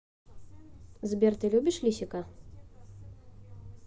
сбер ты любишь лисика